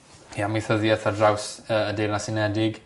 i amaethyddiaeth ar draws yy y Deyrnas Unedig.